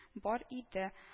Бар иде